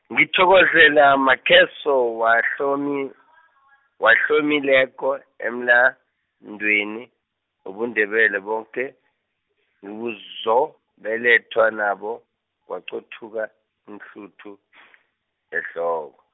ngithokozelamakheso wahlomi- , wahlomileko, emlandweni, wobuNdebele boke, ngibuzobelethwa nabo, kwanqothuka, iinhluthu , ehloko.